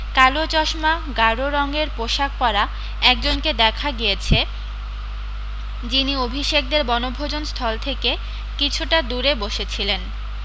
কালো চশমা গাড় রংয়ের পোষাক পরা একজনকে দেখা গিয়েছে যিনি অভিষেকদের বনভোজনস্থল থেকে কিছুটা দূরে বসেছিলেন